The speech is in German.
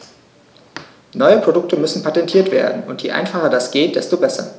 Neue Produkte müssen patentiert werden, und je einfacher das geht, desto besser.